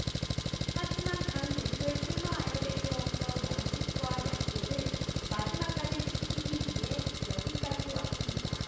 하지만 당 대표에 출마하며 내세웠던 원칙과 약속을 마지막까지 지키기 위해 여기까지 왔습니다